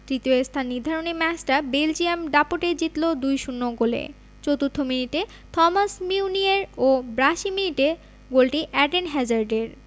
তৃতীয় স্থান নির্ধারণী ম্যাচটা বেলজিয়াম দাপটে জিতল ২ ০ গোলে চতুর্থ মিনিটে থমাস মিউনিয়ের ও ৮২ মিনিটে অন্য গোলটি এডেন হ্যাজার্ডের